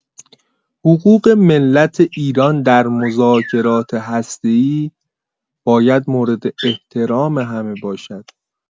حقوق ملت ایران در مذاکرات هسته‌ای باید مورد احترام همه باشد.